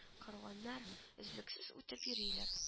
Кәрваннар өзлексез үтеп йөриләр